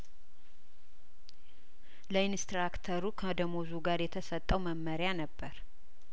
ለኢንስትራክተሩ ከደሞዙ ጋር የተሰጠው መመሪያ ነበር